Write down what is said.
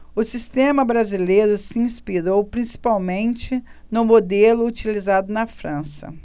o sistema brasileiro se inspirou principalmente no modelo utilizado na frança